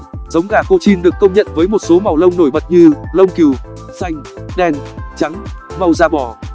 giống gà cochin được công nhận với một số màu lông nổi bật như lông cừu xanh đen trắng màu da bò